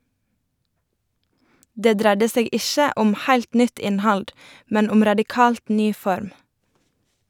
Det dreidde seg ikkje om heilt nytt innhald, men om radikalt ny form.